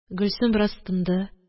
Гөлсем бераз тынды.